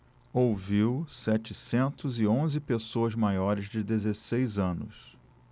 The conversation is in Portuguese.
ouviu setecentos e onze pessoas maiores de dezesseis anos